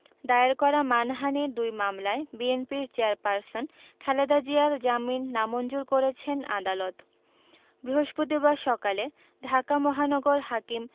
দায়ের করা মানহানির দুই মামলায় বিএনপির চেয়ারপারসন খালেদা জিয়ার জামিন নামঞ্জুর করেছেন আদালত বৃহস্পতিবার সকালে ঢাকা মহানগর হাকিম